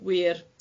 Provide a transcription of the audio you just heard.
Wir.